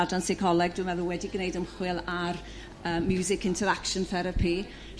adran seicoleg dwi meddwl wedi gwneud ymchwil ar yr music interaction therapy